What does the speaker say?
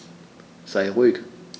Sei ruhig.